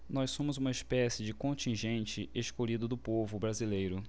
nós somos uma espécie de contingente escolhido do povo brasileiro